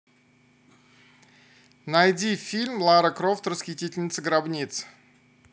найди фильм лара крофт расхитительница гробниц